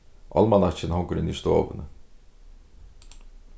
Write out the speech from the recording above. álmanakkin hongur inni í stovuni